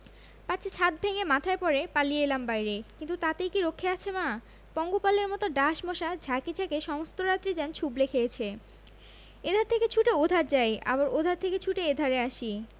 পাছে ছাত ভেঙ্গে মাথায় পড়ে পালিয়ে এলাম বাইরে কিন্তু তাতেই কি রক্ষে আছে মা পঙ্গপালের মত ডাঁশ মশা ঝাঁকে ঝাঁকে সমস্ত রাত্রি যেন ছুবলে খেয়েছে এধার থেকে ছুটে ওধার যাই আবার ওধার থেকে ছুটে এধারে আসি